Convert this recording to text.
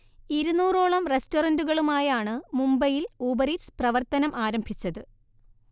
ഇരുനൂറോളം റെസ്റ്ററന്റുകളുമായി ആണ് മുംബൈയിൽ ഊബർ ഈറ്റ്സ് പ്രവർത്തനം ആരംഭിച്ചത്